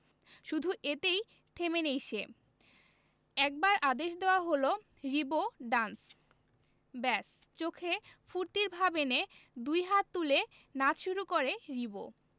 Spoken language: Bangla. শুধু এতেই থেমে নেই সে একবার আদেশ দেওয়া হলো রিবো ড্যান্স ব্যাস চোখে ফূর্তির ভাব এনে দুই হাত তুলে নাচ শুরু করে রিবো